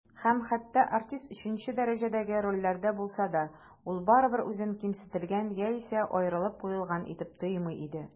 Һәм хәтта артист өченче дәрәҗәдәге рольләрдә булса да, ул барыбыр үзен кимсетелгән яисә аерылып куелган итеп тоймый иде.